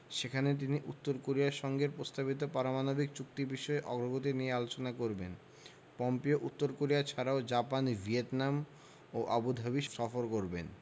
সেখানে তিনি উত্তর কোরিয়ার সঙ্গে প্রস্তাবিত পারমাণবিক চুক্তি বিষয়ে অগ্রগতি নিয়ে আলোচনা করবেন পম্পেও উত্তর কোরিয়া ছাড়াও জাপান ভিয়েতনাম ও আবুধাবি সফর করবেন